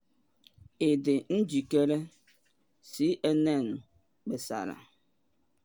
Ị dị njikere?” CNN kpesara.